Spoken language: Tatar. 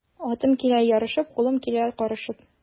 Атым килә ярашып, кулым килә карышып.